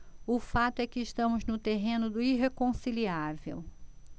o fato é que estamos no terreno do irreconciliável